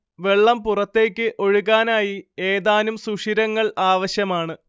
വെള്ളം പുറത്തേക്ക് ഒഴുകാനായി ഏതാനും സുഷിരങ്ങൾ ആവശ്യമാണ്